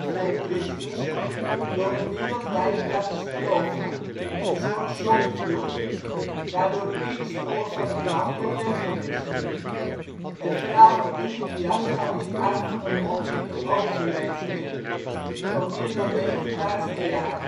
voor Christus door een wereldwijde catastrofe, een soort zondvloed, waardoor ieder spoor van het land werd weggewist. Het verhaal van Critias gaat dus uit van een mondelinge overlevering van meer dan 9000 jaar